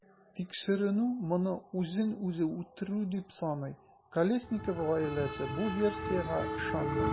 Тикшеренү моны үзен-үзе үтерү дип саный, Колесников гаиләсе бу версиягә ышанмый.